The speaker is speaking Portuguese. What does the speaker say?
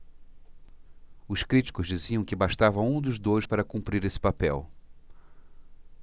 os críticos diziam que bastava um dos dois para cumprir esse papel